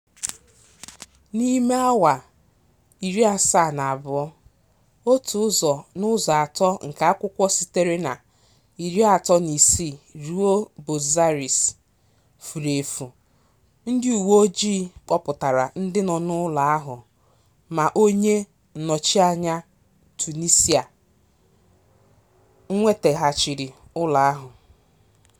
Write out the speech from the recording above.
N'ime awa 72, otu ụzọ n'ụzọ atọ nke akwụkwọ sitere na 36 rue Botzaris furu efu, ndị uweojii kpọpụtara ndị nọ n'ụlọ ahụ ma onye nnọchianya (Tunisia) nweteghachiri ụlọ ahụ.